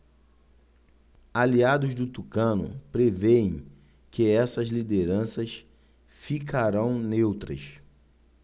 aliados do tucano prevêem que essas lideranças ficarão neutras